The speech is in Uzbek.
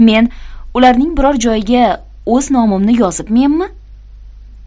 men ularning biror joyiga o'z nomimni yozibmenmi